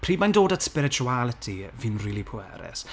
pryd mae'n dod at spirituality, fi'n rili pwerus.